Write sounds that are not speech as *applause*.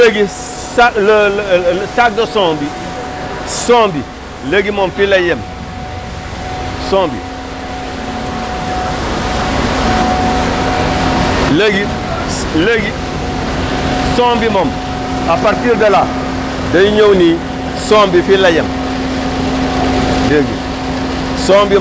léegi léegi sa *hesitation* sac de son bi son bi léegi moom fii lay yem son bi *noise* léegi son bi moom à partir de là day ñëw nii son bi fii lay yem *noise* dégg nga